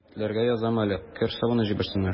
Егетләргә язам әле: кер сабыны җибәрсеннәр.